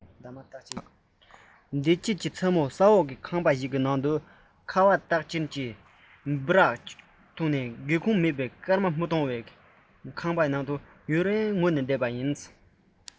འདས རྗེས ཀྱི མཚན མོ ས འོག གི ཁང པ ཞིག གི ནང དུ ཁ བའི འདབ མ རྟགས ཅན གྱི སྦི རག སྒེའུ ཁུང མེད ལ སྐར མ མི མཐོང བའི ཁང པ ཡུན རིང ངུས ནས བསྡད